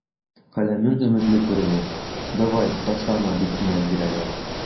Каләмең өметле күренә, давай, ташлама, дип киңәш бирәләр.